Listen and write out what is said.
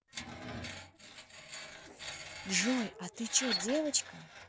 джой а ты че девочка